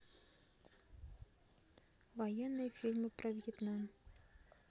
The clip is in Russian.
военные фильмы про вьетнам